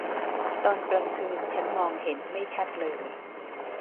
ตอนกลางคืนฉันมองเห็นไม่ชัดเลย